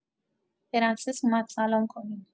پرنسس اومد سلام کنین!